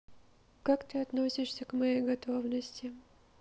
как ты относишься к моей готовности